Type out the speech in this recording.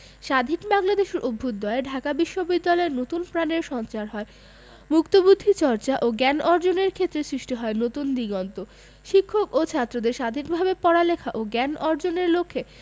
স্বাধীন বাংলাদেশের অভ্যুদয়ে ঢাকা বিশ্ববিদ্যালয়ে নতুন প্রাণের সঞ্চার হয় মুক্তবুদ্ধি চর্চা ও জ্ঞান অর্জনের ক্ষেত্রে সৃষ্টি হয় নতুন দিগন্তের শিক্ষক ও ছাত্রদের স্বাধীনভাবে পড়ালেখা ও জ্ঞান অর্জনের লক্ষ্যে